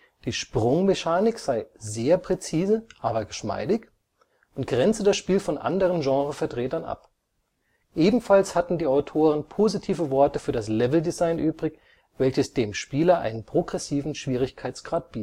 Die Sprungmechanik sei „ sehr präzise, aber geschmeidig “(„ very precice but flexible “) und grenze das Spiel von anderen Genrevertretern ab. Ebenfalls hatten die Autoren positive Worte für das Leveldesign übrig, welches dem Spieler einen progressiven Schwierigkeitsgrad